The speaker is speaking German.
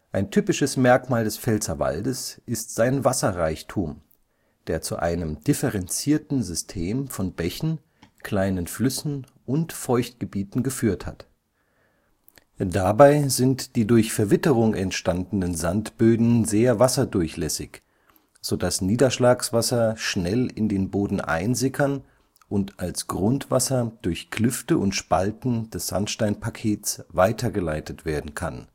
Ein typisches Merkmal des Pfälzerwaldes ist sein Wasserreichtum, der zu einem differenzierten System von Bächen, kleinen Flüssen und Feuchtgebieten (vgl. unten) geführt hat. Dabei sind die durch Verwitterung entstandenen Sandböden sehr wasserdurchlässig, so dass Niederschlagswasser schnell in den Boden einsickern und als Grundwasser durch Klüfte und Spalten des Sandsteinpakets weitergeleitet werden kann